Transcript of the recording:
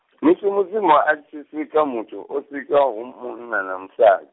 musi Mudzimu atshi sika muthu, o sika hu muthu wa munna na musad-.